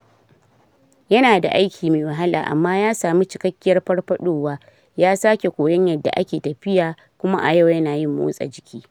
Yana da aiki mai wahala amma ya sami cikakkiyar farfaɗowa, ya sake koyon yadda ake tafiya kuma a yau yana yin motsa jiki!